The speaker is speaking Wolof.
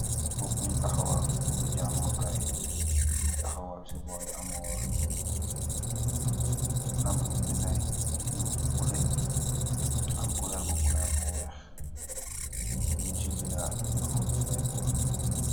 Book bun tahawal ,bukeh jamooh gaii , bun tahawal si boreh atmorr emm bendaah yuuh buloor , emm culoor yu buloor ak weeh, nun si bendah deeh Holy Bible.